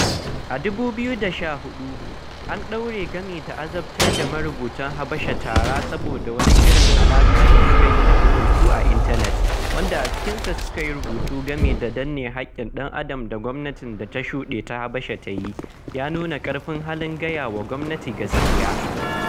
A 2014, an ɗaure gami da azabtar da marubutan Habasha tara saboda wani shirin haɗaka da suka yi na rubutu a intanet wanda a cikinsa suka yi rubutu game da danne haƙƙin ɗan'adam da gwamnatin da ta shuɗe ta Habasha ta yi, ya nuna ƙarfin halin gaya wa gwamnati gaskiya.